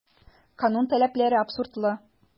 Канун таләпләре абсурдлы.